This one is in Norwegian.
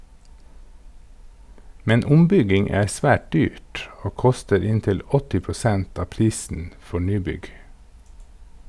Men ombygging er svært dyrt, og koster inntil 80 prosent av prisen for nybygg.